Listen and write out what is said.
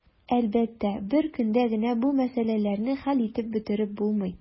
Әлбәттә, бер көндә генә бу мәсьәләләрне хәл итеп бетереп булмый.